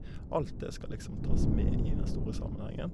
Alt det skal liksom tas med i den store sammenhengen.